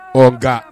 Ɔwɔ nka